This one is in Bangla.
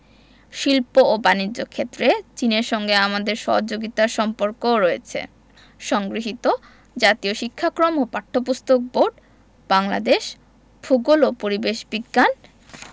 শিল্প ও বানিজ্য ক্ষেত্রে চীনের সঙ্গে আমাদের সহযোগিতার সম্পর্কও রয়েছে সংগৃহীত জাতীয় শিক্ষাক্রম ওপাঠ্যপুস্তক বোর্ড বাংলাদেশ ভূগোল ও পরিবেশ বিজ্ঞান